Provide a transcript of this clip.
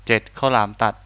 เจ็ดข้าวหลามตัด